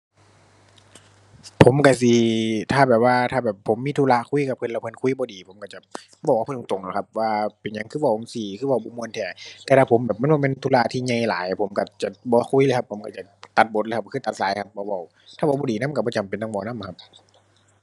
ผมก็สิ ถ้าแบบว่า ถ้าแบบผมมีธุระคุยกับเพิ่น แล้วเพิ่นคุยบ่ดี ผมก็จะเว้ากับเพิ่นตรงตรงล่ะครับ ว่าเป็นหยังคือเว้าจั่งซี้ คือเว้าบ่ม่วนแท้ แต่ถ้าผมก็มันบ่แม่นธุระที่ใหญ่หลาย ผมก็จะบ่คุยเลยครับ ผมก็จะตัดบทเลยครับ ก็คือตัดสายครับ บ่เว้า ถ้าเว้าบ่ดีนำก็บ่จำเป็นต้องเว้านำอะครับ